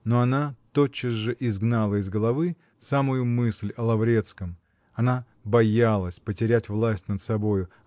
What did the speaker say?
Но она тотчас же изгнала из головы самую мысль о Лаврецком: она боялась потерять власть над собою